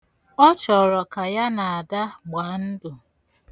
Ọ chọrọ ka ya na Ada gbaa ndụ